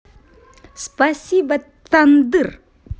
спасибо тандыр